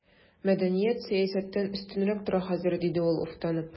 Мәдәният сәясәттән өстенрәк тора хәзер, диде ул уфтанып.